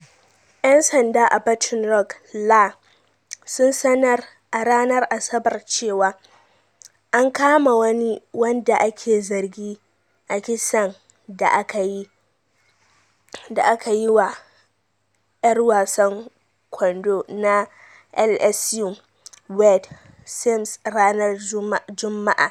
Yan sanda a Baton Rouge, La., Sun sanar a ranar Asabar cewa, an kama wani wanda ake zargi a kisan da aka yi wa' yar wasan kwando na LSU, Wayde Sims ranar Jumma'a.